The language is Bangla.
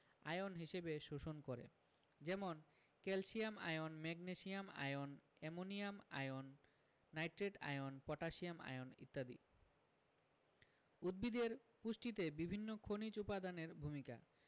আয়ন হিসেবে শোষণ করে যেমন calcium ion magnesium ion ammonium ion nitrate ion potassium ion ইত্যাদি উদ্ভিদের পুষ্টিতে বিভিন্ন খনিজ উপাদানের ভূমিকা